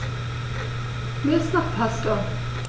Mir ist nach Pasta.